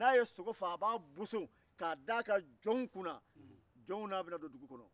n'a ye sogo faa a b'a boso k'a da a ka jɔnw kunna olu n'a bɛna don dugu kɔnɔ